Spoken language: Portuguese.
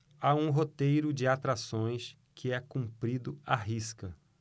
há um roteiro de atrações que é cumprido à risca